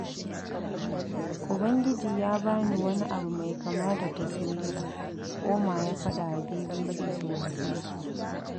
Ubangiji ya ba ni wani abu mai kama da taswira, Ouma ya faɗawa BBC Swahili.